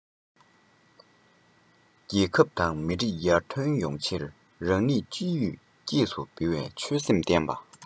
རྒྱལ ཁབ དང མི རིགས ཡར ཐོན ཡོང ཕྱིར རང ནུས ཅི ཡོད སྐྱེས སུ འབུལ བའི ཆོད སེམས བརྟན པ